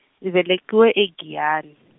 ndzi velekiwe a Giyani.